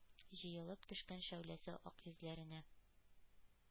Җыелып, төшкән шәүләсе ак йөзләренә.